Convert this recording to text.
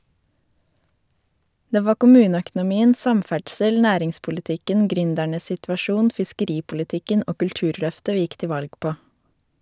Det var kommuneøkonomien, samferdsel, næringspolitikken, gründernes situasjon, fiskeripolitikken og kulturløftet vi gikk til valg på.